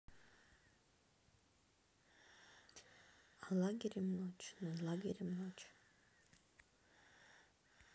а лагерем ночь над лагерем ночь